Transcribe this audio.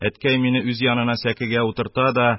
Әткәй мине үз янына сәкегә утырта да,